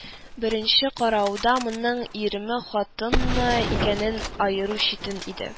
Беренче карауда моның ирме, хатынмы икәнен аеру читен иде